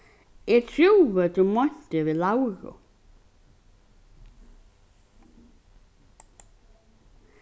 eg trúði tú meinti við lauru